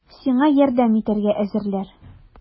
Сиңа ярдәм итәргә әзерләр!